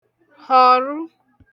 họ̀rụ